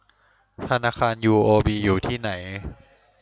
ธนาคารยูโอบีอยู่ที่ไหน